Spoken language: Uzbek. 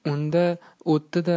unda o'tdida